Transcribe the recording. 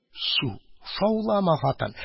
Чү, шаулама, хатын!